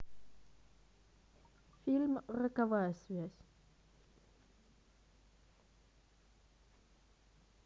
фильм роковая связь